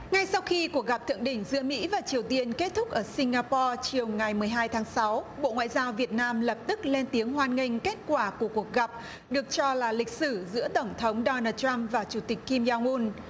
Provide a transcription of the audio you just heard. ngay sau khi cuộc gặp thượng đỉnh giữa mỹ và triều tiên kết thúc ở sing ga po chiều ngày mười hai tháng sáu bộ ngoại giao việt nam lập tức lên tiếng hoan nghênh kết quả của cuộc gặp được cho là lịch sử giữa tổng thống đo nồ trăm và chủ tịch kim giong um